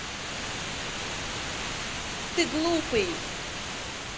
ты глупый